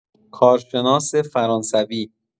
کارشناس فرانسوی